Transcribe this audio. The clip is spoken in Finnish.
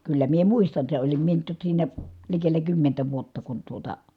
kyllä minä muistan sen olin minä toki siinä likellä kymmentä vuotta kun tuota